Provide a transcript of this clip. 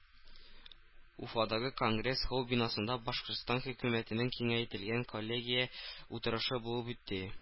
Уфадагы Конгресс-холл бинасында Башкортстан хөкүмәтенең киңәйтелгән коллегия утырышы булып үтте